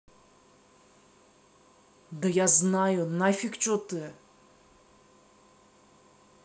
да я знаю нафиг че ты